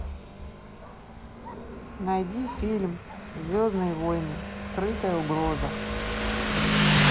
найди фильм звездные войны скрытая угроза